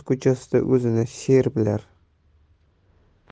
ko'chasida o'zini sher bilar